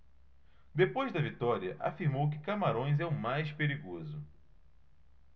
depois da vitória afirmou que camarões é o mais perigoso